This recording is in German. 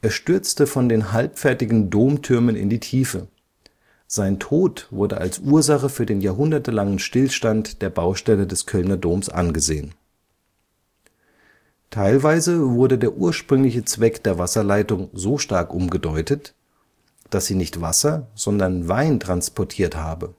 stürzte von den halb fertigen Domtürmen in die Tiefe. Sein Tod wurde als Ursache für den jahrhundertelangen Stillstand der Baustelle des Kölner Doms angesehen. Teilweise wurde der ursprüngliche Zweck der Wasserleitung so stark umgedeutet, dass sie nicht Wasser, sondern Wein transportiert habe